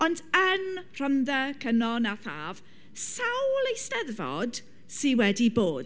Ond, yn Rhondda, Cynon a Thaf, sawl eisteddfod sy wedi bod?